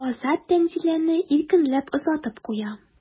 Азат Тәнзиләне иркенләп озатып куя.